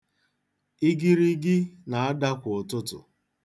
Igirigi na-ada kwa ụtụtụ.